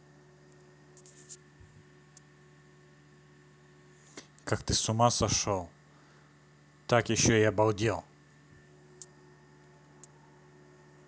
как ты с ума сошел так еще и обалдел